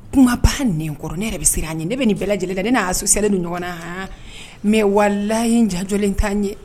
Kumaba nin kɔrɔ ne yɛrɛ bɛ siran a ɲini ne bɛ nin bɛɛ lajɛlen da ne'a su seli ni ɲɔgɔn na mɛ wala in n janjɔlen' ɲɛ